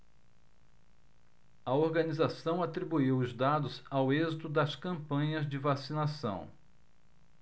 a organização atribuiu os dados ao êxito das campanhas de vacinação